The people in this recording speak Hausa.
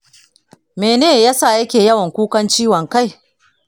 mene yasa yake yawan kukan ciwon kai?